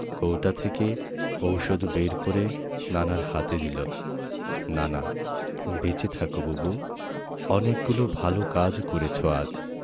কৌটা থেকে ঔষধ বের করে নানার হাতে দিল নানা বেঁচে থাকো বুবু অনেকগুলো ভালো কাজ করেছ আজ